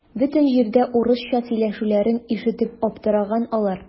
Бөтен җирдә урысча сөйләшүләрен ишетеп аптыраган алар.